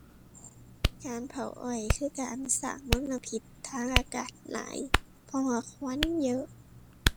การเผาอ้อยคือการสร้างมลพิษทางอากาศหลาย เพราะว่าควันเยอะ